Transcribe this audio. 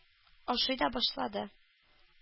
Ашый да башлады.